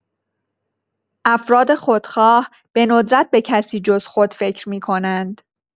افراد خودخواه به‌ندرت به کسی جز خود فکر می‌کنند.